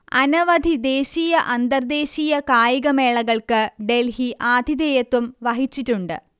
അനവധി ദേശീയ അന്തർദേശീയ കായികമേളകൾക്ക് ഡെൽഹി ആതിഥേയത്വം വഹിച്ചിട്ടുണ്ട്